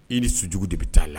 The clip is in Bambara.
I ni su jugu de bɛ taa'a la